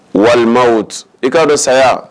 Walima i k ka don saya